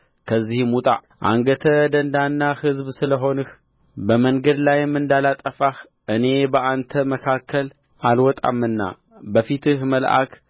ከዚህም ውጣ አንገተ ደንዳና ሕዝብ ስለ ሆንህ በመንገድ ላይ እንዳላጠፋህ እኔ በአንተ መካከል አልወጣምና በፊትህ መልአክ